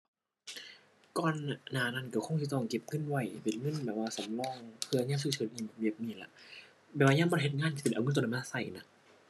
ก่อนนะ หน้านั้นก็คงสิต้องเก็บเงินไว้เป็นเงินแบบว่าสำรอง เผื่อยามฉุกเฉิน แบบนี้ล่ะ แบบว่ายามบ่ได้เฮ็ดงานก็สิได้เอาเงินก็นั้นมาก็น่ะ